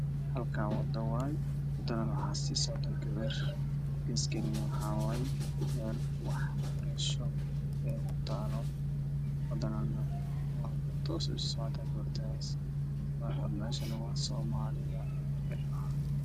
Halkan waa waddo waxaa maraayo qof dumar ah oo wata xijaab madow ah darbi ayaa wax ku qoran yihiin waana dilka cadaan ah